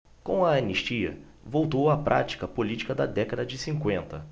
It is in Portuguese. com a anistia voltou a prática política da década de cinquenta